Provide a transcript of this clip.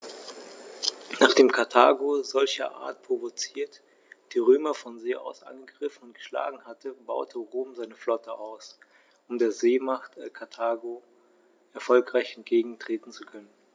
Nachdem Karthago, solcherart provoziert, die Römer von See aus angegriffen und geschlagen hatte, baute Rom seine Flotte aus, um der Seemacht Karthago erfolgreich entgegentreten zu können.